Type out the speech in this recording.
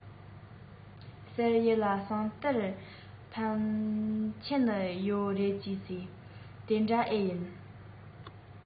ཟེར ཡས ལ ཟངས གཏེར འཕོན ཆེན ཡོད རེད ཟེར གྱིས དེ འདྲ ཨེ ཡིན